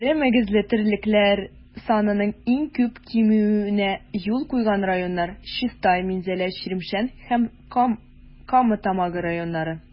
Эре мөгезле терлекләр санының иң күп кимүенә юл куйган районнар - Чистай, Минзәлә, Чирмешән һәм Кама Тамагы районнары.